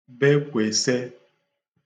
bekwèse